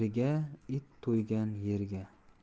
it to'ygan yeriga